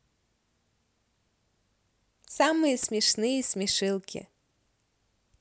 самые смешные смешилки